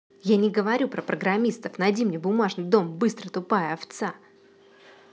я не говорю про программистов найди мне бумажный дом быстро тупая овца